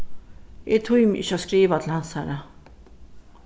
eg tími ikki at skriva til hansara